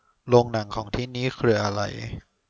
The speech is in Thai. โรงหนังของที่นี่เครืออะไร